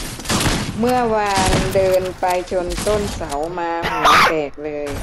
เมื่อวานเดินไปชนต้นเสามาหัวแตกเลย